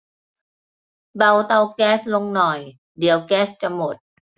เบาเตาแก๊สลงหน่อยเดี๋ยวแก๊สจะหมด